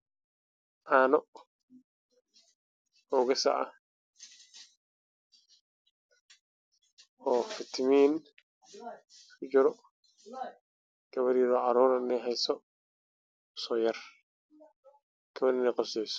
Waa cano gasac ah oo fitamiin kujiro